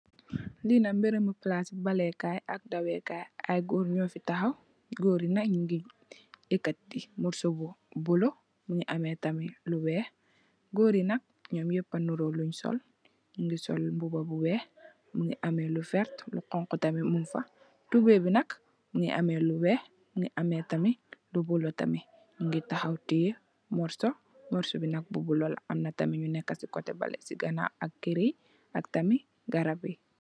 Li nak palace ai berebu dawekai.ai goor nyu fi tahaw góor yi nak ngu gi ekati mursue bu bolo am lu weex. Góori yi nyom nyo nurole lunsol. nyu gi sol buba bu wey ame lu verter lu honha tamit munge fa tubay bi nak mu nge ameh lu weyh ak lu bolo tamit munge fa mu nge tahaw tai murso bu bolo tamit munge fa lu neka tamit si koteh bele tamit ak si ganow kerr yi ak tamit garab yi.